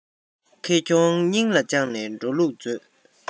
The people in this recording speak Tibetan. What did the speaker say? ཁེ གྱོང སྙིང ལ བཅངས ནས འགྲོ ལུགས མཛོད